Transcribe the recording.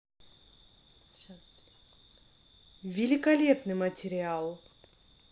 великолепный материал